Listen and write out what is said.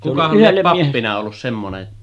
kukahan lie pappina ollut semmoinen